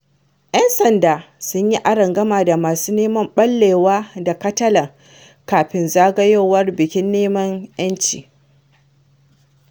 ’Yan sanda sun yi arangama da masu neman ɓallewa na Catalan kafin zagayowar bikin neman ‘yanci